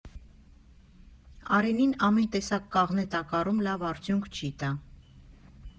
«Արենին ամեն տեսակ կաղնե տակառում լավ արդյունք չի տա.